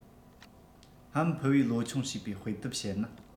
ཧམ ཕུ བོས ལོ ཆུང བྱིས པའི དཔེ དེབ བཤད